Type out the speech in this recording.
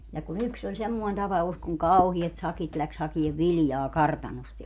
ja kun yksi oli semmoinen tapaus kun kauheat sakit lähti hakemaan viljaa kartanosta ja